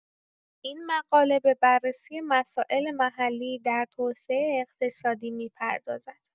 این مقاله به بررسی مسائل محلی در توسعه اقتصادی می‌پردازد.